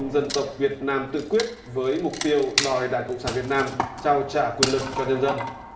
dân tộc việt nam tự quyết với mục tiêu đòi đảng cộng sản việt nam trao trả quyền lực cho nhân dân